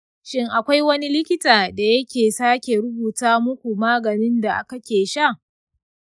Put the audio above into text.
shin akwai wani likita da yaƙi sake rubuta muka maganin da kake sha?